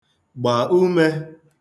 gbà umē